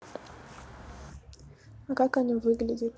а как оно выглядит